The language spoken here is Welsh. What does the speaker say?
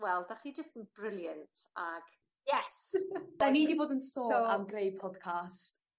wel 'dach chi jyst yn brilliant ag yes. 'Dan ni 'di bod yn sôn... So... ...am greu podcas